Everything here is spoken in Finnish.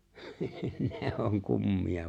ne on kummia